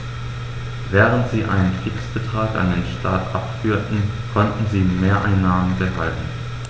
Während sie einen Fixbetrag an den Staat abführten, konnten sie Mehreinnahmen behalten.